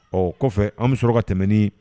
Ɔ kɔfɛ an bɛ s su ka tɛmɛnen